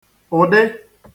ụ̀dị